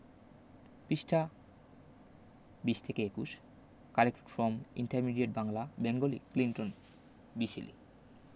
পৃঃ ২০ থেকে ২১ collected from intermediate Bangla Bengali Clinton B Seely